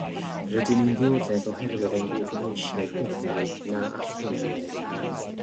Rydyn ni'n ddioddef oherwydd ein bod ni eisiau pethau na allwn ni eu cael.